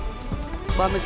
ba mươi